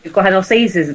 ...gwahanol sizes